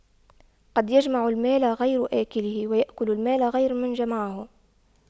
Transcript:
قد يجمع المال غير آكله ويأكل المال غير من جمعه